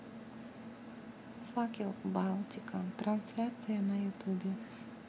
факел балтика трансляция на ютубе